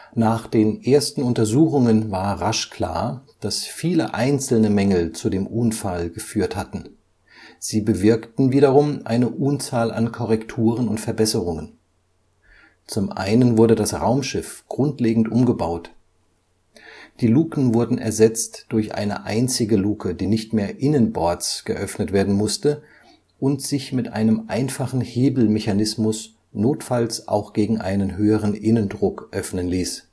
Nach den ersten Untersuchungen war rasch klar, dass viele einzelne Mängel zu dem Unfall geführt hatten. Sie bewirkten wiederum eine Unzahl an Korrekturen und Verbesserungen. Zum einen wurde das Raumschiff grundlegend umgebaut: Die Luken wurden ersetzt durch eine einzige Luke, die nicht mehr innenbords geöffnet werden musste und sich mit einem einfachen Hebelmechanismus notfalls auch gegen einen höheren Innendruck öffnen ließ